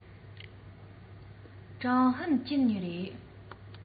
ཀྲང ཝུན ཅུན རེད